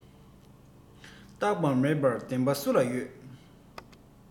རྟག པ མེད པར བདེན པ སུ ལ ཡོད